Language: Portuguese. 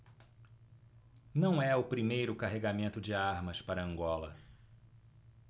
não é o primeiro carregamento de armas para angola